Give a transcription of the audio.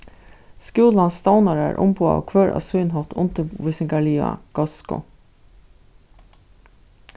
skúlans stovnarar umboðaðu hvør á sín hátt undirvísingarliga góðsku